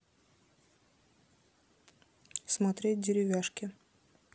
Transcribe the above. смотреть деревяшки